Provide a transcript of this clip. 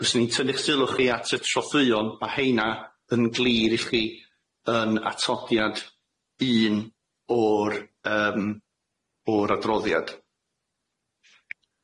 Fyswn i'n tynnu'ch sylw chi at y trothwyon ma' heina yn glir i chi yn atodiad un o'r yym o'r adroddiad.